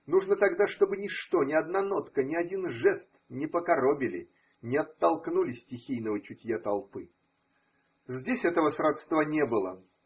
Нужно тогда, чтобы ничто, ни одна нотка, ни один жест не по коробили, не оттолкнули стихийного чутья толпы. Здесь этого сродства не было.